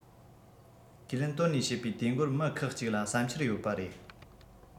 ཁས ལེན བཏོན ནས བྱེད པའི དུས འགོར མི ཁག གཅིག ལ བསམ འཆར ཡོད པ རེད